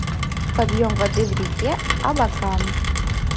подъем воды в реке абакан